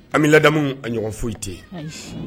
An bɛ ladamu a ɲɔgɔn foyi tɛ